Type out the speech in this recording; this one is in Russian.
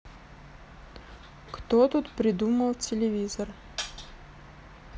кто тут придумал телевизор